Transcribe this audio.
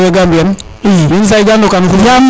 rewe ga mbiyan i yenisaay ka doqa no quroxole